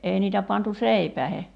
ei niitä pantu seipäisiin